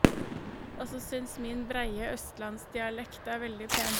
Og som syns min breie østlandsdialekt er veldig pen.